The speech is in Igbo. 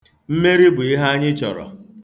Mmeri bụ ihe anyị chọrọ.